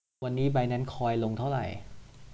วันนี้ไบแนนซ์คอยลงเท่าไหร่